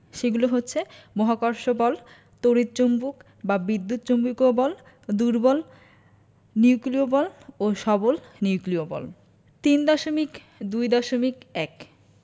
সেগুলো হচ্ছে মহাকর্ষ বল তড়িৎ চৌম্বক বা বিদ্যুৎ চৌম্বকীয় বল দুর্বল নিউক্লিয় বল ও সবল নিউক্লিয় বল ৩.২.১